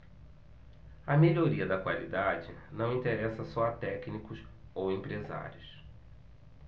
a melhoria da qualidade não interessa só a técnicos ou empresários